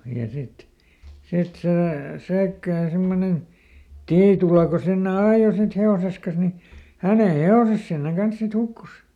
ja sitten sitten se Säikkään semmoinen Tiitula kun sinne ajoi sitten hevosensa kas niin hänen hevosensa sinne kanssa sitten hukkui